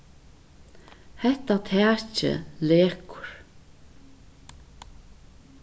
hetta takið lekur